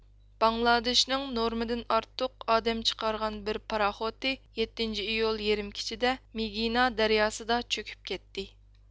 باڭلادېشنىڭ نورمىدىن ئارتۇق ئادەم چىقارغان بىر پاراخوتى يەتتىنچى ئىيۇل يېرىم كېچىدە مېگىنا دەرياسىدا چۆكۈپ كەتتى